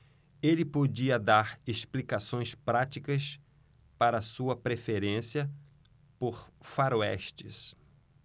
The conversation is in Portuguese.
ele podia dar explicações práticas para sua preferência por faroestes